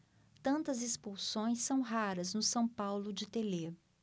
tantas expulsões são raras no são paulo de telê